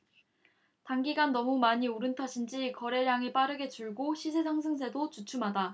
단기간 너무 많이 오른 탓인지 거래량이 빠르게 줄고 시세 상승세도 주춤하다